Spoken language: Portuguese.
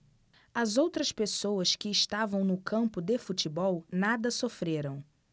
as outras pessoas que estavam no campo de futebol nada sofreram